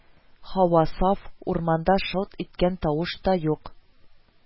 Һава саф, урманда шылт иткән тавыш та юк